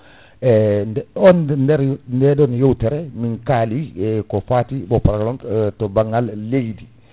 e nde oon nde daroy ndeɗon yewtere min kaali e ko fati bo p* to banggal leydi